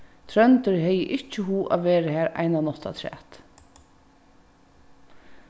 tróndur hevði ikki hug at vera har eina nátt afturat